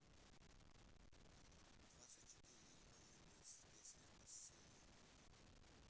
двадцать четыре военная песня о сыне